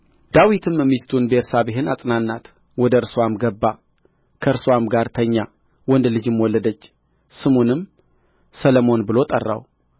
ዳዊትም ሚስቱን ቤርሳቤህን አጽናናት ወደ እርስዋም ገባ ከእርስዋም ጋር ተኛ ወንድ ልጅም ወለደች ስሙንም ሰሎሞን ብሎ ጠራው